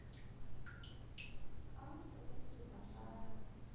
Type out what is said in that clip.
авто после пожара